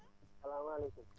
salaamaaleykum